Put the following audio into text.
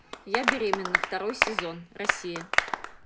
я беременна второй сезон россия